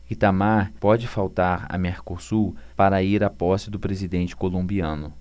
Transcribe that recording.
itamar pode faltar a mercosul para ir à posse do presidente colombiano